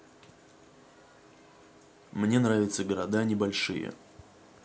мне нравятся города небольшие